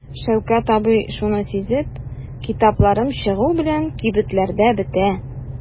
Шәүкәт абый шуны сизеп: "Китапларым чыгу белән кибетләрдә бетә".